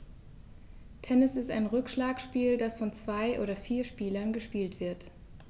Tennis ist ein Rückschlagspiel, das von zwei oder vier Spielern gespielt wird.